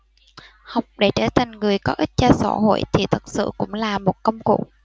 học để trở thành người có ích cho xã hội thì thật sự cũng là một công cụ